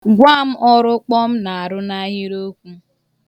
Gwa m ọrụ kpọm na-arụ n' ahịrịokwu.